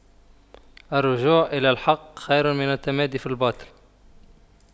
الرجوع إلى الحق خير من التمادي في الباطل